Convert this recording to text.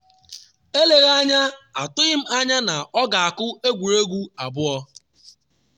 Eleghị anya atụghị m anya na ọ ga-akụ egwuregwu abụọ.